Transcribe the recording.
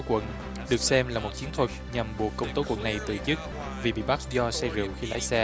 quận được xem là một chiến thuật nhằm buộc công tố quận này từ chức vì bị bắt do say rượu khi lái xe